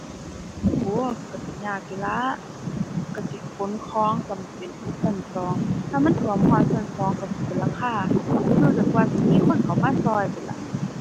โอ้ ก็สิยากอยู่ล่ะ ก็สิขนของจำเป็นขึ้นก็สอง ถ้ามันท่วมฮอดก็สองก็สิขึ้นหลังคา อยู่จนกว่าสิมีคนเข้ามาก็พู้นล่ะ